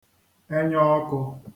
ẹnya ọkū